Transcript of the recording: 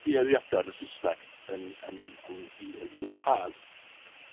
dueddiada yn y Sysnag yn yn yn ddi- yn ddiwahân.